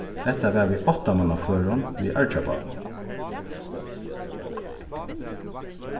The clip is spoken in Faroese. hetta var við áttamannaførum við argjabátinum